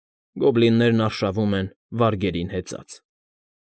Գոբլիններն արշավում են վարգերին հեծած։